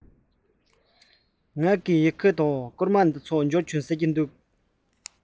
ངའི ཡི གེ དང བསྐུར མ དེ ཚོ འབྱོར བྱུང ཟེར གྱི མི འདུག གས